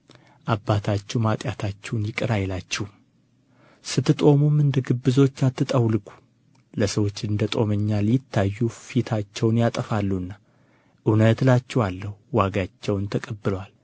አባታችሁም ኃጢአታችሁን ይቅር አይላችሁም ስትጦሙም እንደ ግብዞች አትጠውልጉ ለሰዎች እንደ ጦመኛ ሊታዩ ፊታቸውን ያጠፋሉና እውነት እላችኋለሁ ዋጋቸውን ተቀብለዋል